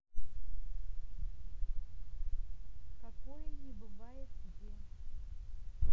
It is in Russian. какое не бывает где